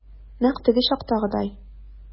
Нәкъ теге чактагыдай.